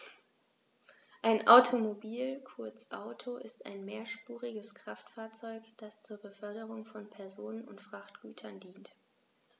Ein Automobil, kurz Auto, ist ein mehrspuriges Kraftfahrzeug, das zur Beförderung von Personen und Frachtgütern dient.